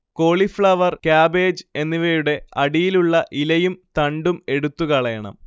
cauliflower, cabbage എന്നിവയുടെ അടിയിലുള്ള ഇലയും തണ്ടും എടുത്തുകളയണം